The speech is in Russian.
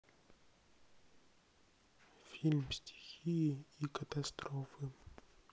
фильм стихии и катастрофы